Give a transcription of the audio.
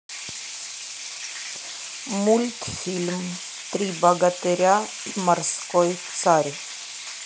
мультфильм три богатыря и морской царь